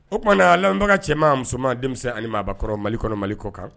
O tumaumana na a labaga cɛmanma musoman denmisɛnnin ani maabaakɔrɔ mali kɔnɔ mali kɔ kan